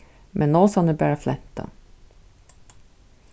men nósarnir bara flentu